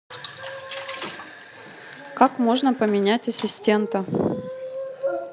как можно поменять ассистента